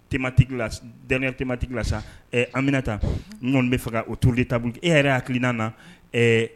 Tema tema tigi la sa anmina taa ɲɔgɔn bɛ faga o touru de ta e yɛrɛ hakiliina na